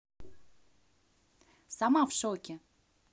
сама в шоке